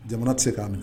Jamana tɛ se k'a minɛ.